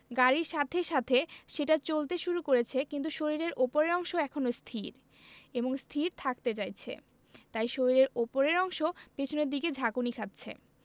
গাড়ির সাথে সাথে সেটা চলতে শুরু করেছে কিন্তু শরীরের ওপরের অংশ এখনো স্থির এবং স্থির থাকতে চাইছে তাই শরীরের ওপরের অংশ পেছনের দিকে ঝাঁকুনি খাচ্ছে